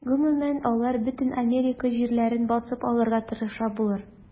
Гомумән, алар бөтен Америка җирләрен басып алырга тырыша булыр.